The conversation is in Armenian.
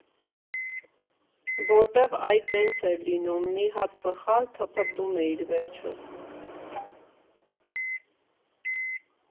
Որտև այ տենց էր լինում, մի հատ սխալ թփրտում էիր՝ վերջ։